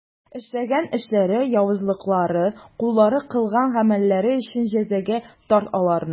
Эшләгән эшләре, явызлыклары, куллары кылган гамәлләре өчен җәзага тарт аларны.